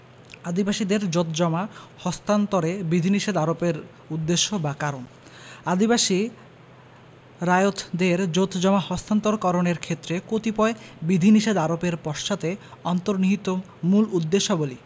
আদিবাসীদের জোতজমা হস্তান্তরে বিধিনিষেধ আরোপের উদ্দেশ্য বা কারণ আদিবাসী রায়তদের জোতজমা হস্তান্তর করণের ক্ষেত্রে কতিপয় বিধিনিষেধ আরোপের পশ্চাতে অন্তর্নিহিত মূল উদ্দেশ্যাবলী